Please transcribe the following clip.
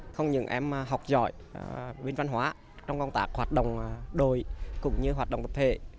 không những em học giỏi bên văn hóa trong công tác hoạt động đội cũng như hoạt động tập thể thì